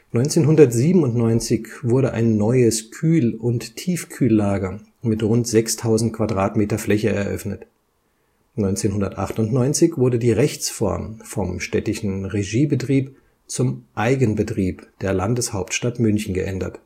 1997 wurde ein neues Kühl - und Tiefkühllager mit rund 6.000 Quadratmeter Fläche eröffnet. 1998 wurde die Rechtsform vom städtischen Regiebetrieb zum Eigenbetrieb der Landeshauptstadt München geändert